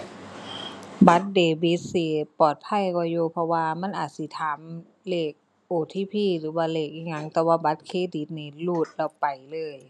บัตรเดบิตสิปลอดภัยกว่าอยู่ เพราะว่ามันอาจสิถามเลข OTP หรือว่าเลขอิหยัง แต่ว่าบัตรเครดิตนี่รูดแล้วไปเลย